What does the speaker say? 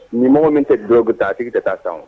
Ni mɔgɔ min tɛ du taa tigi ka taa sɔn